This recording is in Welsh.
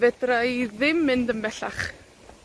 Fedra i ddim mynd yn bellach.